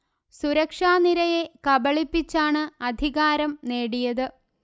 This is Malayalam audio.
സുരക്ഷാ നിരയെ കബളിപ്പിച്ചാണ് അധികാരം നേടിയത്